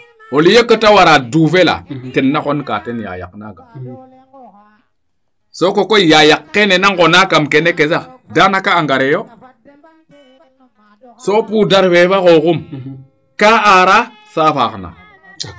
au lieu que te wara duufe laa ten na xonkaa ten yayaq naaga sokokoy yayaq keene naa ŋoona kam kene ke sax danaka engrais yoo so poudre fee fo xooxum kaa aara saa faax na